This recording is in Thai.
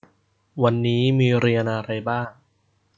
วันนี้มีเรียนอะไรบ้าง